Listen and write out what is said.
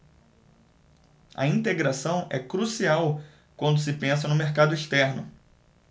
a integração é crucial quando se pensa no mercado externo